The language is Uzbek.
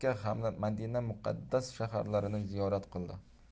hamda madina muqaddas shaharlarini ziyorat qildi